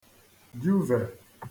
juvè